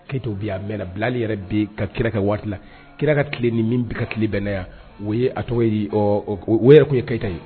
Keyitatebi a mɛn bilali yɛrɛ bɛ ka kira kɛ waati la kiraka tile ni min bi ka ki bɛnna yan o ye a tɔgɔ ye o tun ye keyita ye